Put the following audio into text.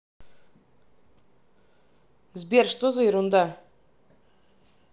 сбер что за ерунда